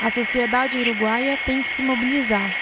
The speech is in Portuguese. a sociedade uruguaia tem que se mobilizar